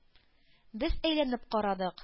Без әйләнеп карадык.